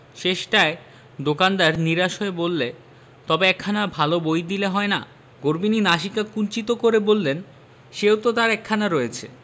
শেষটায় দোকানদার নিরাশ হয়ে বললে তবে একখানা ভাল বই দিলে হয় না গরবিনী নাসিকা কুঞ্চিত করে বললেন সেও তো তার একখানা রয়েছে